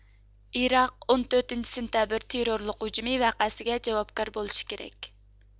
ئىراق ئون تۆتىنچى سېنتەبىر تېررورلۇق ھۇجۇمى ۋەقەسىگە جاۋابكار بولۇشى كېرەك